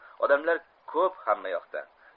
odamlar ko'p hamma yoqda